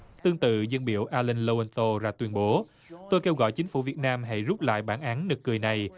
tương tự dâng biểu a lôn lôn sô ra tuyên bố tôi kêu gọi chính phủ việt nam hãy rút lại bản án nực cười này